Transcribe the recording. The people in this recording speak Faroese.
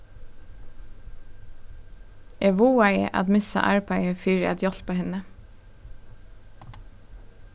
eg vágaði at missa arbeiðið fyri at hjálpa henni